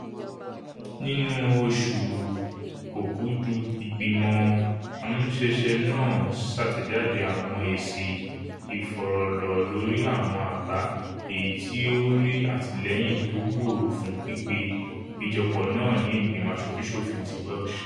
Nínú oṣù Òkúdu, Igbimọ Amuṣẹṣe náà ṣatẹjade awọn èsì ifọrọlọ lórí awọn àbá èyí ti ó rí atilẹyin tó gbòòrò fún pípe ipejọpọ náà ní Igbimọ Aṣoju-ṣofin ti Welsh.